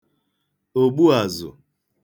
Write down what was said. ògbu àzụ̀